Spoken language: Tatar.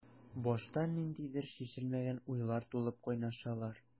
Башта ниндидер чишелмәгән уйлар тулып кайнашалар.